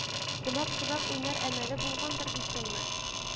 Кунак-кунак уйнар әмәле булгандыр дисеңме